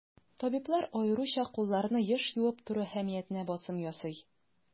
Табиблар аеруча кулларны еш юып тору әһәмиятенә басым ясый.